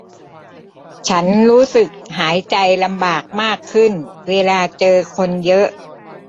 ฉันรู้สึกหายใจลำบากมากขึ้นเวลาเจอคนเยอะ